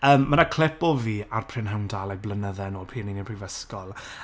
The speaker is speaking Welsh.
Yym, ma' 'na clip o fi, ar Prynhawn Da, like, blynydde yn ol, pryd o fi yn y prifsygol.